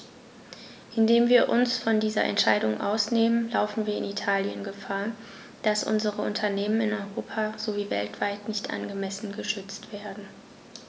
Indem wir uns von dieser Entscheidung ausnehmen, laufen wir in Italien Gefahr, dass unsere Unternehmen in Europa sowie weltweit nicht angemessen geschützt werden.